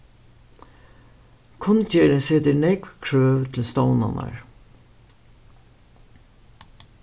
kunngerðin setir nógv krøv til stovnarnar